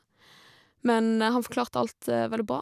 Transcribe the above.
Men han forklarte alt veldig bra.